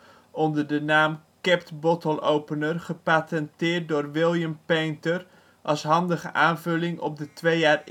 onder de naam Capped-Bottle Opener, gepatenteerd door William Painter als handige aanvulling op de twee jaar